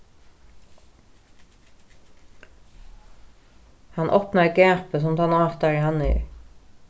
hann opnaði gapið sum tann átari hann er